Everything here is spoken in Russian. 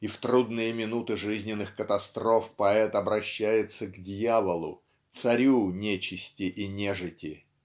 И в трудные минуты жизненных катастроф поэт обращается к Дьяволу царю нечисти и нежити